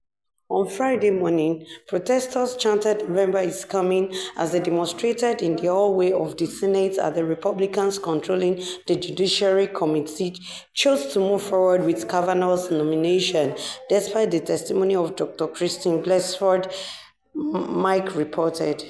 On Friday morning, protestors chanted "November is coming!" as they demonstrated in the hallway of the Senate as the Republicans controlling the Judiciary Committee chose to move forward with Kavanaugh's nomination despite the testimony of Dr. Christine Blasey Ford, Mic reported.